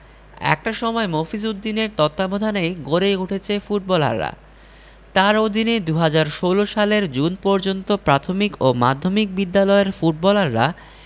একটা সময় মফিজ উদ্দিনের তত্ত্বাবধানেই গড়ে উঠেছে ফুটবলাররা তাঁর অধীনে ২০১৬ সালের জুন পর্যন্ত প্রাথমিক ও মাধ্যমিক বিদ্যালয়ের ফুটবলাররা